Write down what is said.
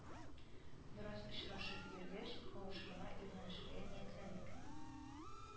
Бераз очрашып йөргәч, кавышырга, өйләнешергә ниятләдек